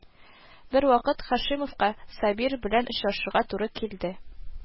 Бервакыт Һашимовка Сабир белән очрашырга туры килде